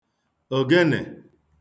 ògenè